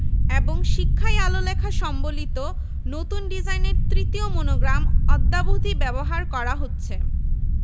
এবং শিক্ষাই আলো লেখা সম্বলিত নতুন ডিজাইনের তৃতীয় মনোগ্রাম অদ্যাবধি ব্যবহার করা হচ্ছে